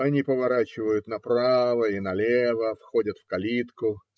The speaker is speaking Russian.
Они поворачивают направо и налево, входят в калитку